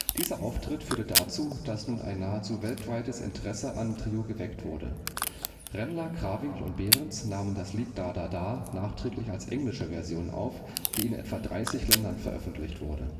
Dieser Auftritt führte dazu, dass nun ein nahezu weltweites Interesse an dem Trio geweckt wurde. Remmler, Krawinkel und Behrens nahmen das Lied „ Da da da “nachträglich als englische Version auf, die in etwa 30 Ländern veröffentlicht wurde